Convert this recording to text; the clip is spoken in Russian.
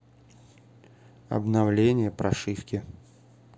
обновление прошивки